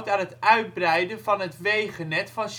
het uitbreiden van het wegennet van